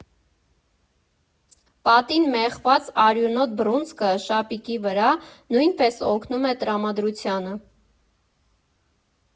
Պատին մեխված արյունոտ բռունցքը շապիկի վրա նույնպես օգնում է տրամադրությանը։